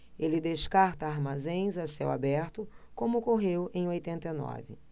ele descarta armazéns a céu aberto como ocorreu em oitenta e nove